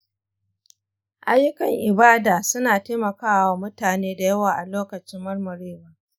ayyukan ibada suna taimaka wa mutane da yawa a lokacin murmurewa.